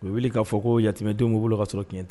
U wuli k'a fɔ ko yamɛdenw b'u bolo ka sɔrɔ ky tɛ